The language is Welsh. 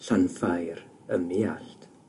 Llanffair ym Muallt